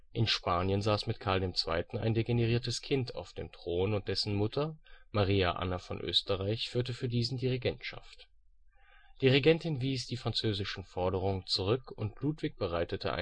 In Spanien saß mit Karl II. ein degeneriertes Kind auf dem Thron und dessen Mutter Maria Anna von Österreich führte für diesen die Regentschaft. Die Regentin wies die französischen Forderungen zurück und Ludwig bereitete